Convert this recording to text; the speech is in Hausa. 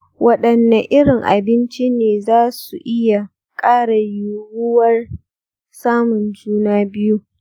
waɗanne irin abinci ne za su iya ƙara yiwuwar samun juna biyu?